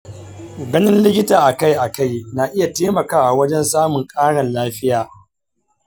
ganin likita akai-akai na iya taimakawa wajan samun ƙarin lafiya.